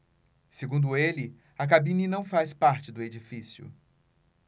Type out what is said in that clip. segundo ele a cabine não faz parte do edifício